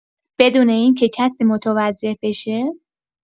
بدون اینکه کسی متوجه بشه